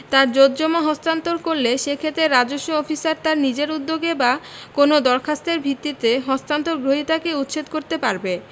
তার জোতজমা হস্তান্তর করলে সেক্ষেত্রে রাজস্ব অফিসার তার নিজের উদ্যোগে বা কোনও দরখাস্তের ভিত্তিতে হস্তান্তর গ্রহীতাকে উচ্ছেদ করতে পারবে